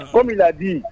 O bɛ di